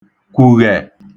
kwùghẹ̀